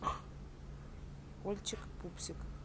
ольчик пупсик